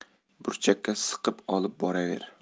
burchakka siqib olib boraver